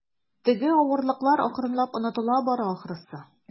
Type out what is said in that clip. Теге авырлыклар акрынлап онытыла бара, ахрысы.